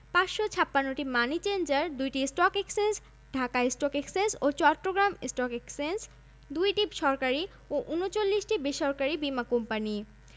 বাংলাদেশ সমবায় ব্যাংক সকল ধরনের সমবায় প্রতিষ্ঠানের শীর্ষ সমন্বয়কারী ও নিয়ন্ত্রণ সংস্থা এছাড়াও প্রায় ১ হাজার ২০০ এনজিও ক্ষুদ্র্ ঋণ দানকারী প্রতিষ্ঠান মাঠপর্যায়ে উন্নয়ন কর্মকান্ডে নিয়োজিত রয়েছে